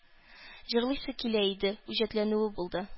Җырлыйсы килә иде, үҗәтләнүе булды